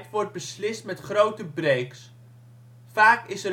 wordt beslist met grote breaks. Vaak is